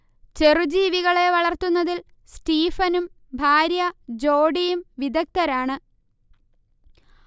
ചെറുജീവികളെ വളർത്തുന്നതിൽ സ്റ്റീഫനും ഭാര്യ ജോഡിയും വിദഗ്ധരാണ്